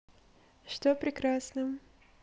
что прекрасно